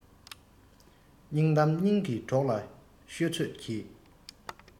སྙིང གཏམ སྙིང གི གྲོགས ལ ཤོད ཚོད གྱིས